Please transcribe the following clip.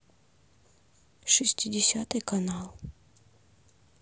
шестидесятый канал